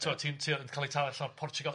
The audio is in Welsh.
tibod ti'n ti yn cael eu tawelu allan o Portugal.